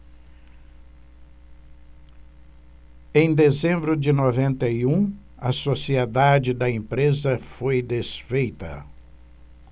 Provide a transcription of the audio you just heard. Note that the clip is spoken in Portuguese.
em dezembro de noventa e um a sociedade da empresa foi desfeita